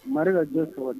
Mali ka jo saba